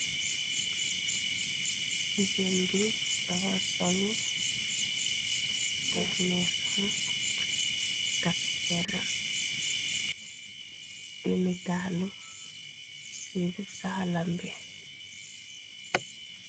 jigéen bi defa solu tefmesam tak cenn dinitaalu ci saalam bi